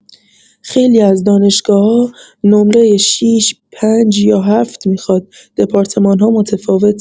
خیلی از دانشگاه‌‌ها نمره ۶ ٫ ۵ یا ۷ میخواد، دپارتمان‌ها متفاوته.